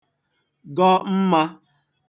gọ mmā